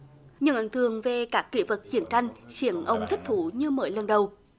nhưng ấn tượng về các kỷ vật chiến tranh khiếng ông thích thủ như mới lần đầu